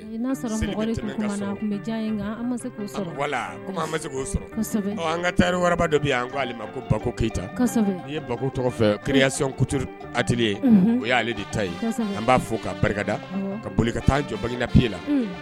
Dɔ ko keyita ye ba tɔgɔ kesi o de ta an b'a fɔ ka barikada ka boli ka taa jɔ bangedapiye la